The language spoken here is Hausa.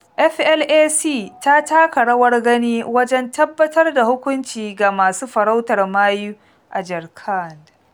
FLAC ta taka rawar gani wajen tabbatar da hukunci ga masu farautar mayu a Jharkhand.